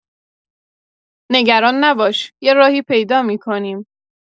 نگران نباش، یه راهی پیدا می‌کنیم.